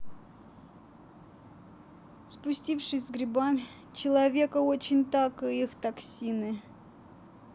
спустившись с грибами человека очень так и их токсины